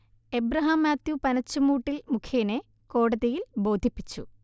Abraham Mathew Panachamoottil മുഖേനെ കോടതിയിൽ ബോധിപ്പിച്ചു